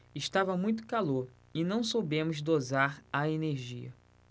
estava muito calor e não soubemos dosar a energia